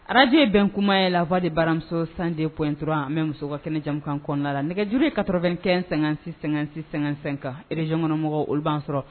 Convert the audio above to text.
Araj in bɛn kuma ye la fɔ de baramuso san de p in dɔrɔn an bɛ muso ka kɛnɛ jamanakan kɔnɔna la nɛgɛjurue karɔ2 kɛ--sɛ--sɛkan rezykɔnɔmɔgɔw olu' sɔrɔ